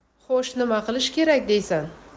xo'sh nima qilish kerak deysan